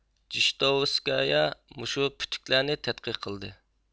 جېشتوۋېسكايا مۇشۇ پۈتۈكلەرنى تەتقىق قىلدى